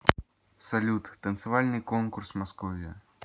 салют танцевальный конкурс московия